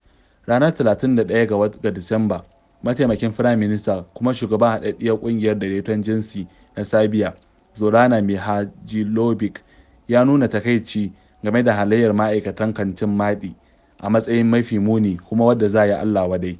Ranar 31 ga Disamba, mataimakin firanminista kuma shugaban Haɗaɗɗiyar ƙungiyar Daidaton Jinsi na Serbiya, Zorana Mihajloɓic, ya nuna takaici game da halayyar ma'aikatan kantin Maɗi a matsayin "mafi muni kuma wadda za a yi allawadai.